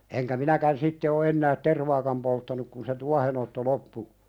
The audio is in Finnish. enkä minäkään sitten ole enää tervaakaan polttanut kun se tuohenotto loppui